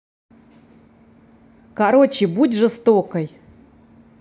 короче будь жестокой